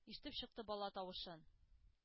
Иштеп чыкты бала тавышын.